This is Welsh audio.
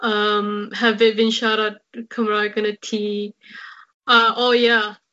Yym hefyd fi'n siarad Cymraeg yn y tŷ, a o ie